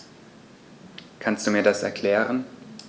Kannst du mir das erklären?